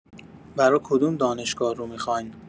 برا کدوم دانشگاه رو می‌خواین؟